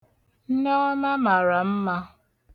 Nneọma mara mma.